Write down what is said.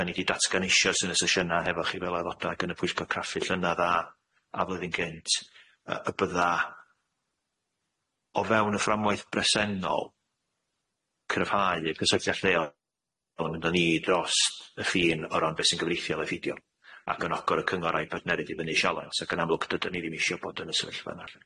Da ni di datgan eisioes yn y sesiyna hefo chi fel addodag yn y pwyllgor craffu llynedd a a flwyddyn cynt yy y bydda o fewn y fframwaith bresennol ,cryfhau y gysylltiad lleol odd yn mynd a ni dros y ffin o ran be' sy'n gyfleithiol effeidio ac yn ogor y cyngor a'i partneri ddibynnu i Sialent ac yn amlwg dydon ni ddim isio bod yn y sefyllfa yna lly.